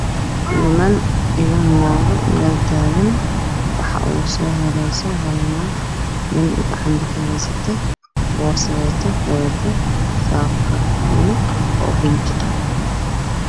Waa niman iyo naago meel taagan waxaa ugu soo horeyso hal naag oo nin gacanta kaheysato, oo boorso iyo saako garbo fiina ah oo bingi ah wadato.